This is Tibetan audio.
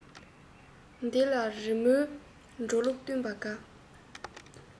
དེ ལས རི མོའི འགྲོ ལུགས བསྟུན པ དགའ